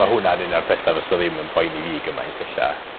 Ma' hwnna'n un o'r petha fysa ddim yn poeni fi gymaint ella.